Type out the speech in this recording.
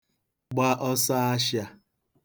gba ọsọashịā